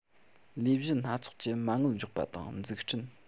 ལས གཞི སྣ ཚོགས ཀྱི མ དངུལ འཇོག པ དང འཛུགས སྐྲུན